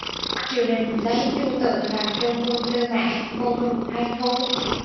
triều đình lấy chu tự làm trung quân tư mã ngô hưng thái thú